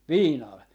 viinalla